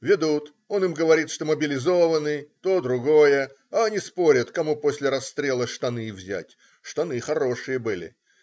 Ведут - он им говорит, что мобилизованный, то, другое, а они спорят, кому после расстрела штаны взять (штаны хорошие были).